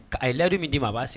Ka ye ladi min dii ma b'a sigi